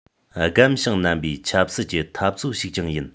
སྒམ ཞིང ནན པའི ཆབ སྲིད ཀྱི འཐབ རྩོད ཞིག ཀྱང ཡིན